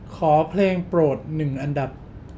ขอเพลงโปรดหนึ่งอันดับ